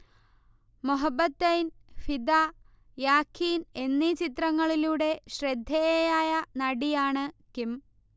മൊഹബത്തെയ്ൻ, ഫിദ, യാഖീൻ എന്നീ ചിത്രങ്ങളിലൂടെ ശ്രദ്ധേയയായ നടിയാണ് കിം